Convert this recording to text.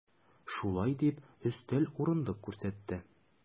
Шулай дип, өстәл, урындык күрсәтте.